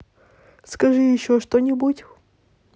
скажи еще что нибудь